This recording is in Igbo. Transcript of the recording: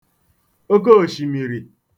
okeòshimìrì